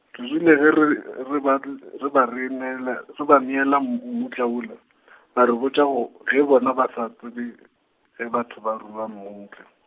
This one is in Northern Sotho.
re rile ge re , re ba dl- , re ba re nele, re ba neele m- mmutla wola , ba re botša go, ge bona ba sa tsebe, ge batho ba rua mmutla.